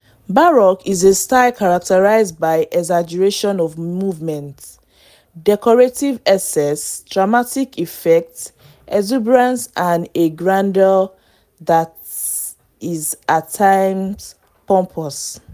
“Baroque is a style characterized by exaggeration of movement, decorative excess, dramatic effects, exuberance and a grandeur that is at times pompous.”